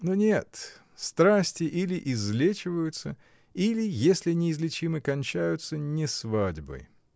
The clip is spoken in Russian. Да нет: страсти — или излечиваются, или, если неизлечимы, кончаются не свадьбой.